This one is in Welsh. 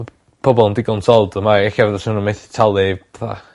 bo- pobol yn digon tlawd fel mae ella fyswn nw'n methu talu pethach